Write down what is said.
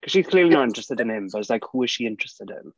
Cause she's clearly not interested in him, so I was like who is she interested in?